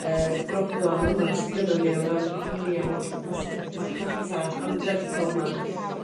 yr broblam yma sydd gynnon ni o ran y cwmnia' march- mas- ma- marchnata anferthol 'ma.